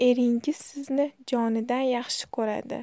eringiz sizni jonidan yaxshi ko'radi